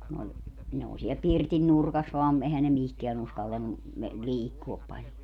kun oli ne oli siellä pirtin nurkassa vain eihän ne mihinkään uskaltanut - liikkua paljon